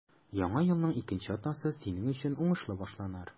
Яңа елның икенче атнасы синең өчен уңышлы башланыр.